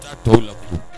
U t'a tɔw labila